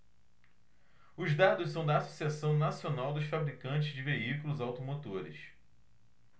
os dados são da anfavea associação nacional dos fabricantes de veículos automotores